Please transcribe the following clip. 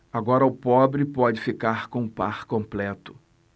agora o pobre pode ficar com o par completo